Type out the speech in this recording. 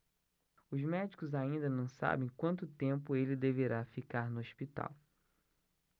os médicos ainda não sabem quanto tempo ele deverá ficar no hospital